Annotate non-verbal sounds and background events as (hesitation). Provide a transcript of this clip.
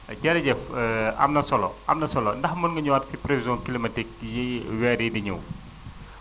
jërëjëf (hesitation) am na solo am na solo ndax mën nga ñëwaat si prévision climatique yi weer yii di ñëw